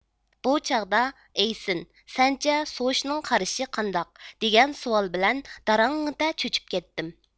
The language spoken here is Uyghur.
بۇ چاغدا ئېيسېن سەنچە سوشنىڭ قارىشى قانداق دېگەن سوئال بىلەن داراڭڭىدە چۆچۈپ كەتتىم